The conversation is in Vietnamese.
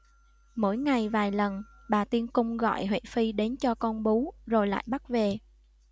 mỗi ngày vài lần bà tiên cung cho gọi huệ phi đến cho con bú rồi lại bắt về